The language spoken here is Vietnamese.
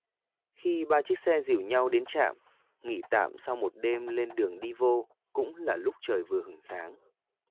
khi ba chiếc xe dìu nhau đến trạm nghỉ tạm sau một đêm lên đường đi vô cũng là lúc trời vừa hửng sáng